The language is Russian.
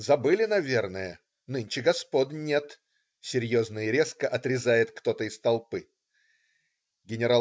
- "Забыли, наверное, нынче господ нет",- серьезно и резко отрезает кто-то из толпы. Ген.